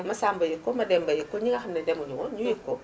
Masamba yëg ko Mademba yëg ko ñi nga xam ne aussi demuñu woon ñu yëg ko